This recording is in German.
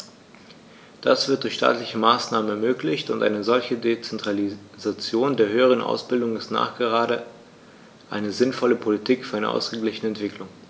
Das wird durch staatliche Maßnahmen ermöglicht, und eine solche Dezentralisation der höheren Ausbildung ist nachgerade eine sinnvolle Politik für eine ausgeglichene Entwicklung.